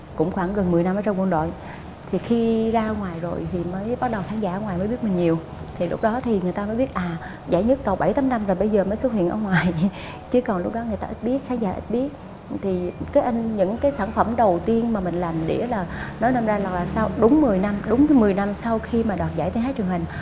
cũng khoảng gần mười năm ở trong quân đội thì khi ra ngoài rồi thì mới bắt đầu khán giả ngoài mới biết mình nhiều thì lúc đó thì người ta mới biết à giải nhất đâu bảy tám năm rồi bây giờ mới xuất hiện ở ngoài chứ còn lúc đó người ta ít biết khán giả biết thì cứ in những cái sản phẩm đầu tiên mà mình làm đĩa là nó đâm ra rằng là sau đúng mười năm đúng mười năm sau khi mà đạt giải tiếng hát truyền hình